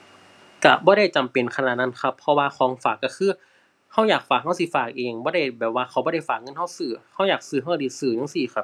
ก็บ่ได้จำเป็นขนาดนั้นครับ เพราะว่าของฝากก็คือ ก็อยากฝากก็สิฝากเอง บ่ได้แบบว่าเขาบ่ได้ฝากเงินก็ซื้อ ก็อยากซื้อก็ก็สิซื้อจั่งซี้ครับ